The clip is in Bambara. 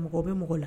Mɔgɔ bɛ mɔgɔ la